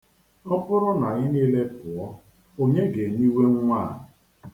Ọ bụrụ na anyị niile pụọ, onye ga-eniwe nwa a?